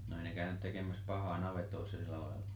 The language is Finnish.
no ei ne käynyt tekemässä pahaa navetoissa ja sillä lailla